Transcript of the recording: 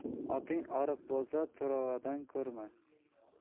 oting oriq bo'lsa to'rvadan ko'r